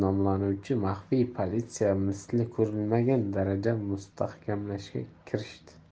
nomlanuvchi maxfiy politsiyani misli ko'rilmagan darajada mustahkamlashga kirishdi